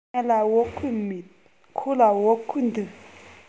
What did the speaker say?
ང ལ བོད གོས མེད ཁོ ལ བོད གོས འདུག